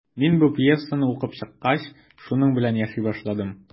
Мин бу пьесаны укып чыккач, шуның белән яши башладым.